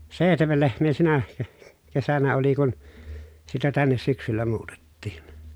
seitsemän lehmää sinä - kesänä oli kun sitä tänne syksyllä muutettiin